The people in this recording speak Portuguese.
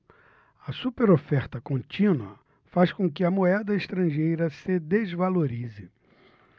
a superoferta contínua faz com que a moeda estrangeira se desvalorize